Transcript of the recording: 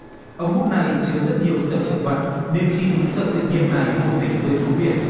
ống hút này chứa rất nhiều sợi thực vật nên khi những sợi tự nhiên này vô tình rơi xuống biển